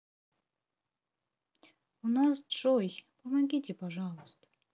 у нас джой помогите пожалуйста